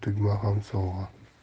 tugma ham sovg'a